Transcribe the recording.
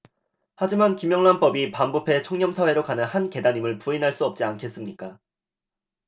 하지만 김영란법이 반부패 청렴 사회로 가는 한 계단임을 부인할 수 없지 않겠습니까